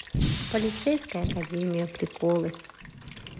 полицейская академия приколы